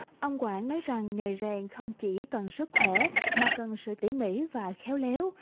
ông quảng nói rằng nghề rèn không chỉ cần sức khỏe mà cần sự tỷ mỉ và khéo léo